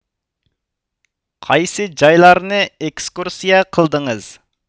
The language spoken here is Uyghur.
قايسى جايلارنى ئىكسكورسىيە قىلدىڭىز